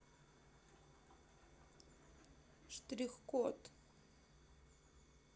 штрих код